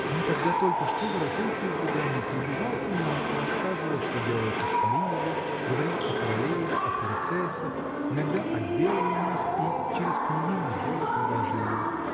Он тогда только что воротился из-за границы и бывал у нас, рассказывал, что делается в Париже, говорил о королеве, о принцессах, иногда обедал у нас и через княгиню сделал предложение.